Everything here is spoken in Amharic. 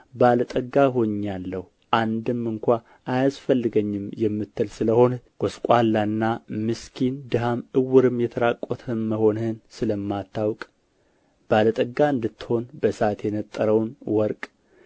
ባለጠጋ ሆኜአለሁ አንድም ስንኳ አያስፈልገኝም የምትል ስለ ሆንህ ጐስቋላና ምስኪንም ድሀም ዕውርም የተራቆትህም መሆንህን ስለማታውቅ ባለ ጠጋ እንድትሆን በእሳት የነጠረውን ወርቅ